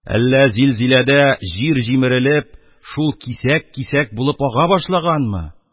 Әллә зилзиләдә җир җимерелеп, шул кисәк-кисәк булып ага башлаганмы?